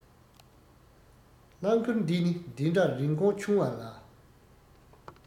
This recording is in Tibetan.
རླང མཁོར འདི ནི འདི འདྲ རིན གོང ཆུ བ ལ